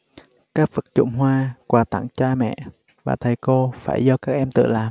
các vật dụng hoa quà tặng cha mẹ và thầy cô phải do các em tự làm